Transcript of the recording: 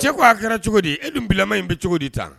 cɛ ko a kɛra cogo di e dun bilaman in bɛ cogo di tan